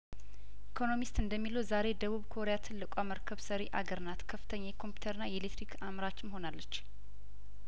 ኢኮኖሚ ስት እንደሚለው ዛሬ ደቡብ ኮሪያትልቋ መርከብ ሰሪ አገርናት ከፍተኛ የኮምፒዩተርና የኤሌክትሪክ አምራችም ሆናለች